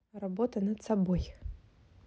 работа над собой